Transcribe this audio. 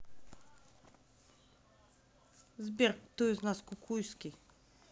сбер кто из нас кукуйский